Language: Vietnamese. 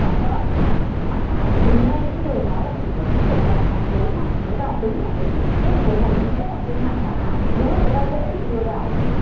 các bạn vẫn cảm thấy thoải mái đừng nghe những người nói là chỉ có những cuộc gặp mặt đối mặt mới tính là sự kết nối có ý nghĩa còn trên mạng là ảo đúng là người ta dễ bị lừa đảo ở trên mạng hơn